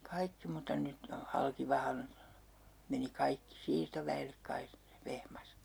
kaikki mutta nyt ne on Halkivahan meni kaikki siirtoväelle kai Vehmas